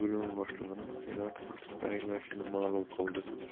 boimi boshlig'ini senator etib tayinlashini ma'lum qildi